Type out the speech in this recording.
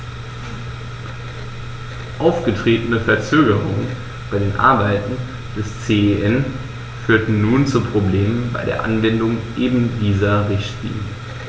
Aufgetretene Verzögerungen bei den Arbeiten des CEN führen nun zu Problemen bei der Anwendung eben dieser Richtlinie.